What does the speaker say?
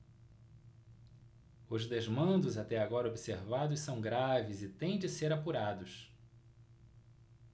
os desmandos até agora observados são graves e têm de ser apurados